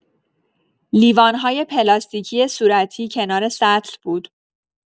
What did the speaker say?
لیوان‌های پلاستیکی صورتی کنار سطل بود.